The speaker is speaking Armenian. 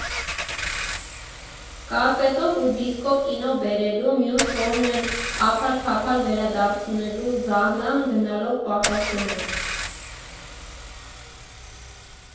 Կասետով ու դիսկով կինո բերելու, մյուսն օրն էլ ափալ֊թափալ վերադարձնելու զահլան գնալով պակասում էր։